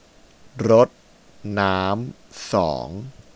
รดน้ำสอง